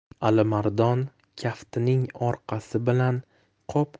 alimardon kaftining orqasi bilan qop